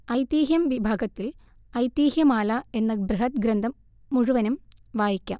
ഐതിഹ്യം വിഭാഗത്തിൽ 'ഐതിഹ്യമാല' എന്ന ബൃഹത്ഗ്രന്ഥം മുഴുവനും വായിക്കാം